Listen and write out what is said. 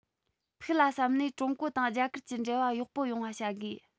ཕུགས ལ བསམས ནས ཀྲུང གོ དང རྒྱ གར གྱི འབྲེལ བ ཡག པོ ཡོང བ བྱ དགོས